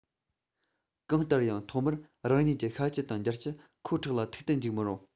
གང ལྟར ཡང ཐོག མར རང ཉིད ཀྱི ཤ སྐྱི དང འབྱར སྐྱི ཁོའི ཁྲག ལ ཐུག ཏུ འཇུག མི རུང